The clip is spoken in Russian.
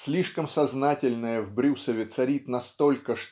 слишком сознательное в Брюсове царит настолько